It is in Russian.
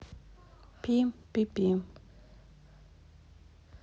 пи пипи